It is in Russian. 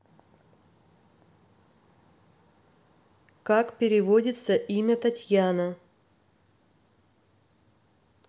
как переводится имя татьяна